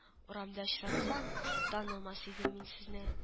- урамда очратсам, танымас идем мин сезне